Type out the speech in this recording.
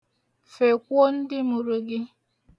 Fekwuo ndị mụrụ gị.